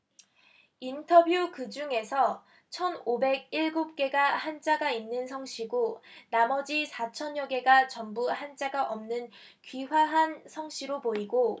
인터뷰 그중에서 천 오백 일곱 개가 한자가 있는 성씨고 나머지 사천 여 개가 전부 한자가 없는 귀화한 성씨로 보이고